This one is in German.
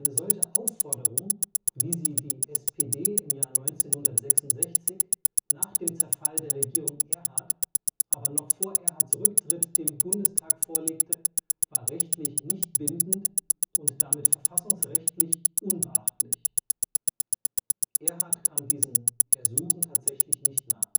solche Aufforderung, wie sie die SPD 1966 nach dem Zerfall der Regierung Erhard, aber noch vor Erhards Rücktritt dem Bundestag vorlegte, war rechtlich nicht bindend und damit verfassungsrechtlich unbeachtlich. Erhard kam diesem „ Ersuchen “tatsächlich nicht nach